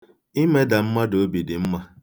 Imeda mmadụ obi dị mma.